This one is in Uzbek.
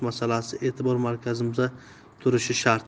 masalasi e'tibor markazimizda turishi shart